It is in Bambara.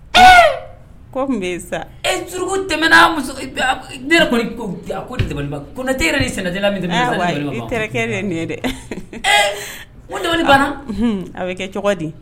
Ee ko sa ee juruuru tɛm n' kɔni ko ko tɛ yɛrɛ ni sɛnɛjɛ min ikɛ ye nin dɛ ko a ye kɛ cogo di